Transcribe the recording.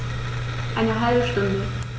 Eine halbe Stunde